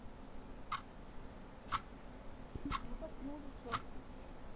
ну заткнули че